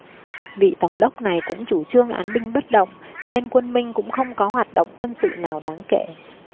vị tổng đốc này cũng chủ trương án binh bất động nên quân minh cũng không có hoạt động quân sự nào đáng kể